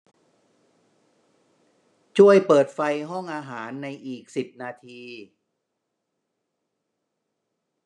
ช่วยเปิดไฟห้องอาหารในอีกสิบนาที